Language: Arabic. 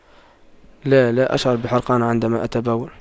لا لا أشعر بحرقان عندما أتبول